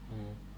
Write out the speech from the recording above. mm